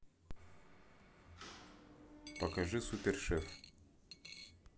покажи супер шеф